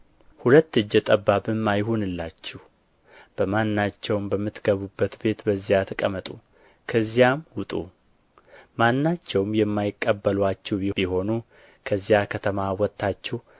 ሁለት እጀ ጠባብም አይሁንላችሁ በማናቸውም በምትገቡበት ቤት በዚያ ተቀመጡ ከዚያም ውጡ ማናቸውም የማይቀበሉአችሁ ቢሆኑ ከዚያ ከተማ ወጥታችሁ